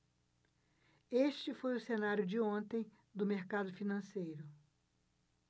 este foi o cenário de ontem do mercado financeiro